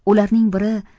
ularning biri